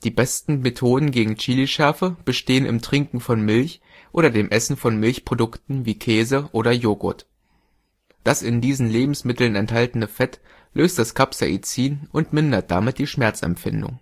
besten Methoden gegen Chilischärfe bestehen im Trinken von Milch oder dem Essen von Milchprodukten wie Käse oder Joghurt. Das in diesen Lebensmitteln enthaltene Fett löst das Capsaicin und mindert damit die Schmerzempfindung